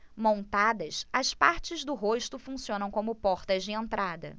montadas as partes do rosto funcionam como portas de entrada